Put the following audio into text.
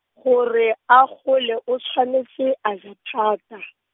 gore a gole o tshwanetse a ja thata.